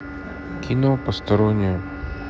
кино посторонняя